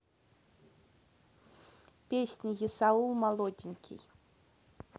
песни есаул молоденький